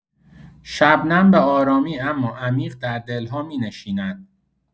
شبنم به‌آرامی اما عمیق در دل‌ها می‌نشیند.